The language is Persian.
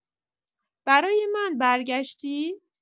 برای من برگشتی؟